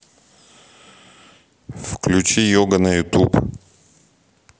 включи йога на ютуб